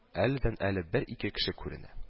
Әледән-әле бер ир кеше күренә